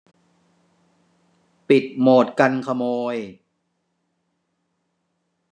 ปิดโหมดกันขโมย